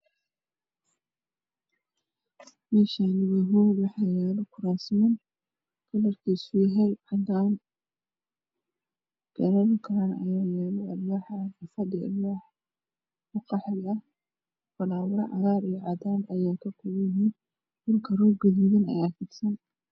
Meeshaan waa hool waxaa yaalo kuraasman kalarkiisu yahay cadaan iyo fadhi alwaax ah oo qaxwi ah, falaawaro cagaar iyo cadaan ah dhulkana roog gaduudan ayaa ku fidsan.